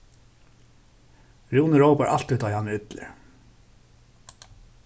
rúni rópar altíð tá ið hann er illur